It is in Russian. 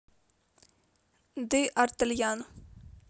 д артаньян